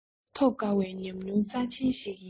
ཐོབ དཀའ བའི ཉམས མྱོང རྩ ཆེན ཞིག ཡིན